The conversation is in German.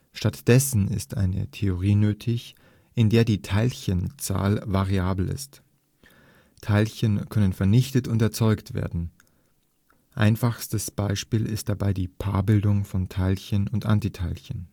Stattdessen ist eine Theorie nötig, in der die Teilchenzahl variabel ist – Teilchen können vernichtet und erzeugt werden (einfachstes Beispiel: die Paarbildung von Teilchen und Antiteilchen